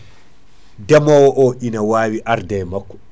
deemowo o ina wawi arde e makko